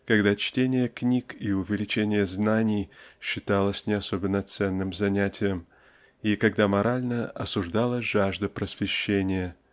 когда чтение книг и увеличение знаний считалось не особенно ценным занятием и когда морально осуждались жажда просвещения.